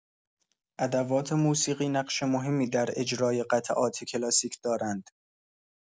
ادوات موسیقی نقش مهمی در اجرای قطعات کلاسیک دارند.